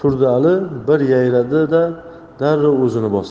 bir yayradi da darrov o'zini bosdi